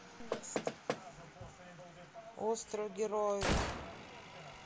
остров героев